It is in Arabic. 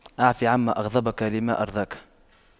اعف عما أغضبك لما أرضاك